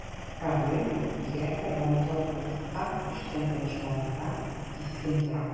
Проблема бигрәк тә банкротлыкка төшкән оешмаларда кискен тора.